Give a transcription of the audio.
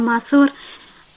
ma soeur